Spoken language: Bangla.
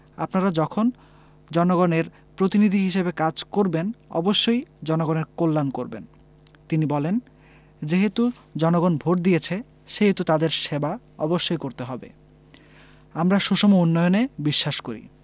আপনারা যখন জনগণের প্রতিনিধি হিসেবে কাজ করবেন অবশ্যই জনগণের কল্যাণ করবেন তিনি বলেন যেহেতু জনগণ ভোট দিয়েছে সেহেতু তাদের সেবা অবশ্যই করতে হবে আমরা সুষম উন্নয়নে বিশ্বাস করি